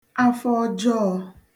afọ ọjọọ̄